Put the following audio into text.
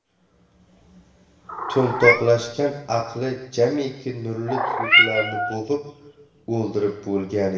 to'mtoqlashgan aqli ja'miki nurli tuyg'ularni bo'g'ib o'ldirib bo'lgan edi